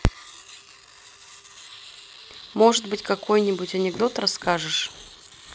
может быть какой нибудь анекдот расскажешь